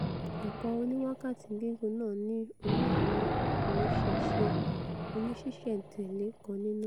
ẹ̀kọ oni wákàtí gígùn ́náà ní oni àwọn ìmùṣẹ́ṣe oníṣíṣẹ̀-n-tẹ̀lé kan nínú.